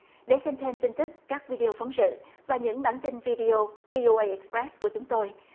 để xem thêm tin tức các vi đê ô phóng sự và những bản tin vi đê ô vi ô ây ịch pét của chúng tôi